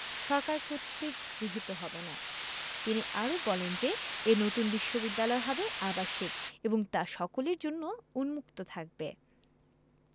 সরকার কর্তৃক গৃহীত হবে না তিনি আরও বলেন যে এ নতুন বিশ্ববিদ্যালয় হবে আবাসিক এবং তা সকলের জন্য উন্মুক্ত থাকবে